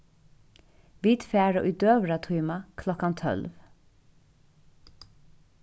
vit fara í døgurðatíma klokkan tólv